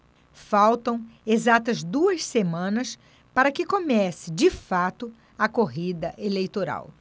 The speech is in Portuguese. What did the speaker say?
faltam exatas duas semanas para que comece de fato a corrida eleitoral